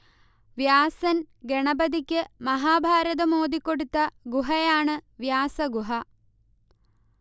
വ്യാസൻ ഗണപതിക്ക് മഹാഭാരതം ഓതിക്കൊടുത്ത ഗുഹയാണ് വ്യാസഗുഹ